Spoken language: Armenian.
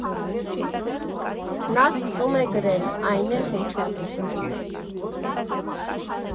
Նա սկսում է գրել, այն էլ հեքիաթ։